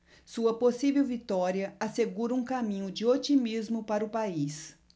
sua possível vitória assegura um caminho de otimismo para o país